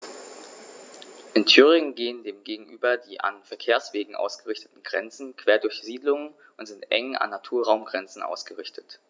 In Thüringen gehen dem gegenüber die an Verkehrswegen ausgerichteten Grenzen quer durch Siedlungen und sind eng an Naturraumgrenzen ausgerichtet.